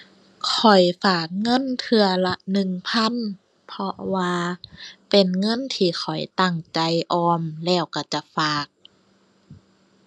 ข้อยฝากเงินเทื่อละหนึ่งพัน เพราะว่าเป็นเงินที่ข้อยตั้งใจออมแล้วก็จะฝาก